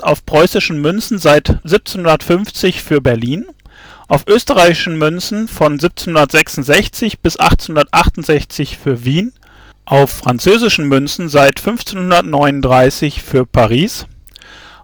auf preußischen Münzen seit 1750 für Berlin. auf österreichischen Münzen von 1766 bis 1868 für Wien. auf französischen Münzen seit 1539 für Paris.